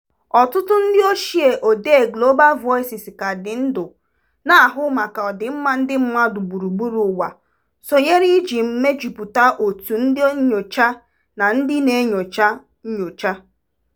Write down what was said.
Ọtụtụ ndị ochie odee Global Voices ka ndị ndú na-ahụ maka ọdịmma ndị mmadụ gburugburu ụwa sonyeere iji mejupụta òtù ndị nnyocha na ndị na-enyocha nnyocha.